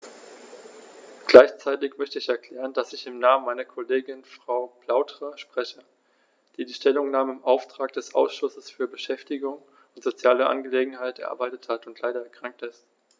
Gleichzeitig möchte ich erklären, dass ich im Namen meiner Kollegin Frau Flautre spreche, die die Stellungnahme im Auftrag des Ausschusses für Beschäftigung und soziale Angelegenheiten erarbeitet hat und leider erkrankt ist.